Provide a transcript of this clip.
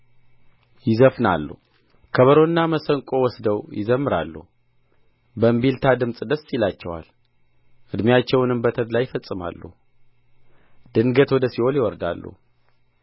ይዘፍናሉ ከበሮና መሰንቆ ወስደው ይዘምራሉ በእምቢልታ ድምፅ ደስ ይላቸዋል ዕድሜያቸውንም በተድላ ይፈጽማሉ ድንገትም ወደ ሲኦል ይወርዳሉ